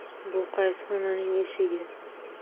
bu qaysi xonaning eshigi